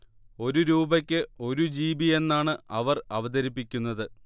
ഒരു രൂപയ്ക്ക് ഒരു ജിബിയെന്നാണ് അവർ അവതരിപ്പിക്കുന്നത്